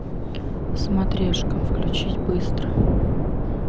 смотрешка включить быстро